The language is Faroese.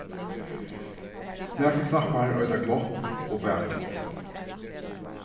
nakrir knappar eita glopp og bakglopp